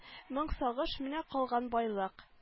Моң сагыш менә калган байлык